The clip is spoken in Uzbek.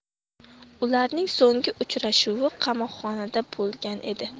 ularning so'nggi uchrashuvi qamoqxonada bo'lgan edi